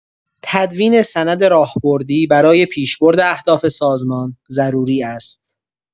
تدوین سند راهبردی برای پیشبرد اهداف سازمان ضروری است.